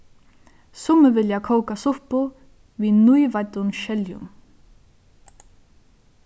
summi vilja kóka suppu við nýveiddum skeljum